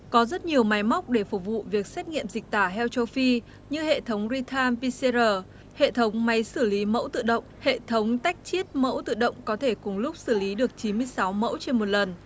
có rất nhiều máy móc để phục vụ việc xét nghiệm dịch tả heo châu phi như hệ thống ri tham pi xê giờ hệ thống máy xử lý mẫu tự động hệ thống tách chiết mẫu tự động có thể cùng lúc xử lý được chín mươi sáu mẫu trên một lần